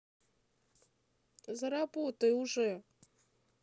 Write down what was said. заработай уже